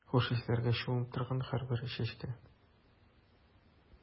Хуш исләргә чумып торган һәрбер чәчкә.